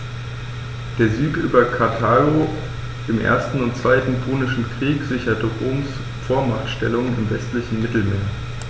Der Sieg über Karthago im 1. und 2. Punischen Krieg sicherte Roms Vormachtstellung im westlichen Mittelmeer.